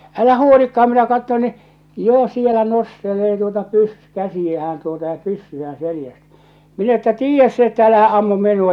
älä huolikaan minä katson niin jo siellä nostelee tuota - käsiään tuota ja pyssyään selästä minä että tiedä se että älähän ammu minua